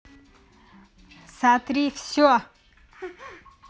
сотри все